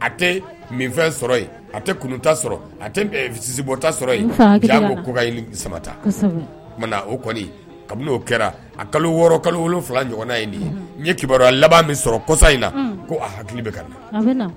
a tɛ min sɔrɔ a tɛ kunta sɔrɔ asibɔta sɔrɔ ko koba samata o kɔni kabini oo kɛra a kalo wɔɔrɔ kalo wolonwula ɲɔgɔn in nin ye n ye kibaruya laban min sɔrɔ kosa in na ko a hakili bɛ ka na